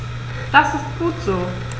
Das ist gut so.